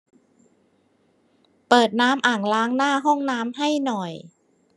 เปิดน้ำอ่างล้างหน้าห้องน้ำให้หน่อย